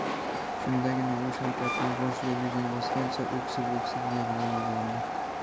shundagina u shavkatning boshiga yuzini bosgancha o'ksib o'ksib yigl'ab yubordi